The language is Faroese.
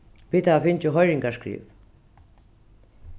vit hava fingið hoyringarskriv